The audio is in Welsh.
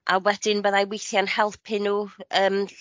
a wedyn bydda i withie'n helpu n'w yym